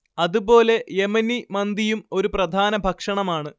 അത് പോലെ യെമനി മന്തിയും ഒരു പ്രധാന ഭക്ഷണമാണ്